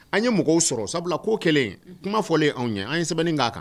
An ye mɔgɔw sɔrɔ sabula ko kelen ye kuma fɔlen anw ɲɛ an ye sɛbɛnni k'a kan